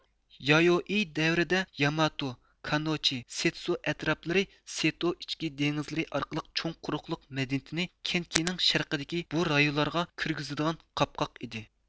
يايوئىي دەۋرىدە ياماتو كانۇچى سېتسو ئەتراپلىرى سېتو ئىچكى دېڭىزى ئارقىلىق چوڭ قۇرۇقلۇق مەدەنىيىتىنى كېنكىنىڭ شەرقىدىكى بۇ رايونلارغا كىرگۈزىدىغان قاپقاق ئىدى